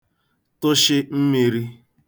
tụshị mmīrī